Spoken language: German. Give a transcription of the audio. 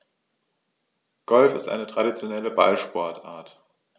Golf ist eine traditionelle Ballsportart.